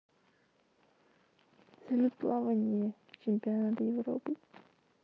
салют плавание чемпионат европы